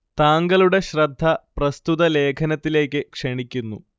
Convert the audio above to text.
താങ്കളുടെ ശ്രദ്ധ പ്രസ്തുത ലേഖനത്തിലേക്ക് ക്ഷണിക്കുന്നു